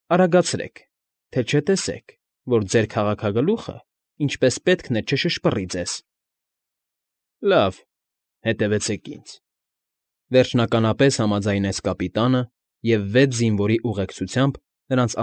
Արագացրեք, թե չէ տեսեք, որ ձեր քաղաքագլուխը ինչպես պետք է չշշպռի ձեզ։ ֊ Լավ, հետևեցեք ինձ,֊ վերջնականապես համաձայնեց կապիտանը և վեց զինվորի ուղեկցությամբ նրանց։